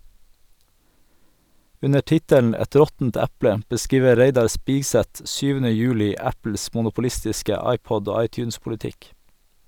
Under tittelen "Et råttent eple" beskriver Reidar Spigseth 7. juli Apples monopolistiske iPod- og iTunes-politikk.